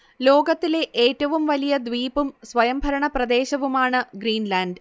ലോകത്തിലെ ഏറ്റവും വലിയ ദ്വീപും സ്വയംഭരണ പ്രദേശവുമാണ് ഗ്രീൻലാൻഡ്